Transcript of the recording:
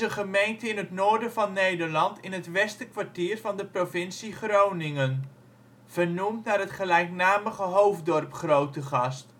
gemeente in het noorden van Nederland, in het Westerkwartier van de provincie Groningen, vernoemd naar het gelijknamige hoofddorp Grootegast